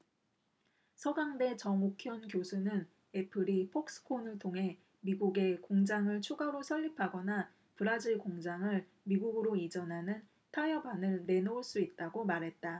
서강대 정옥현 교수는 애플이 폭스콘을 통해 미국에 공장을 추가로 설립하거나 브라질 공장을 미국으로 이전하는 타협안을 내놓을 수 있다고 말했다